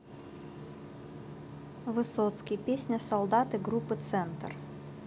высоцкий песня солдаты группы центр